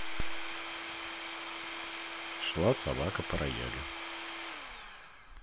шла собака по роялю